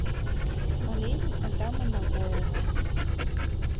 болезнь адама нагоева